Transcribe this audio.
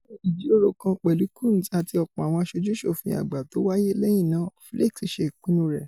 Lẹ́yìn ìjíròrò kan pẹ̀lú Coons àti ọ̀pọ̀ àwọn aṣojú-ṣòfin àgbà tówáyé lẹ́yìn náà, Flakes ṣe ìpinnu rẹ̀.